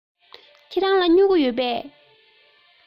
ཁྱེད རང ལ སྨྱུ གུ ཡོད པས